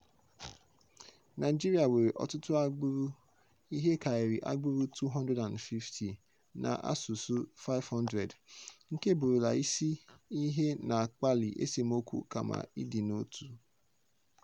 Naịjirịa nwere ọtụtụ agbụrụ- ihe karịrị agbụrụ 250 na asụsụ 500 - nke bụrụla isi ihe na-akpalị esemokwu kama ịdị n'otu.